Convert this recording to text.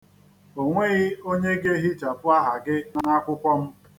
O nweghị onye ga-ehichapụ aha gị n'akwụkwọ m.